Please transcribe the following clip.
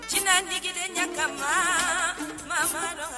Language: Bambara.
Jinɛ ni kelenyan ka ma madɔn